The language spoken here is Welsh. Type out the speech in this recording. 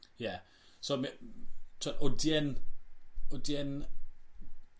Ie so ma' e m- m- t'o' odi e'n odi e'n